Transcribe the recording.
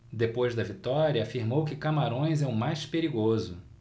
depois da vitória afirmou que camarões é o mais perigoso